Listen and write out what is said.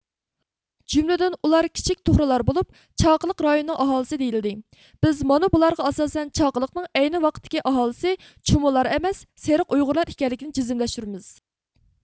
جۈملىدىن ئۇلار كىچىك تۇخرىلار بولۇپ چاقىلىق رايونىنىڭ ئاھالىسى دېيىلدى بىز مانا بۇلارغا ئاساسەن چاقىلىقنىڭ ئەينى ۋاقىتتىكى ئاھالىسى چۇمۇللار ئەمەس سېرىق ئۇيغۇرلار ئىكەنلىكىنى جەزملەشتۈرىمىز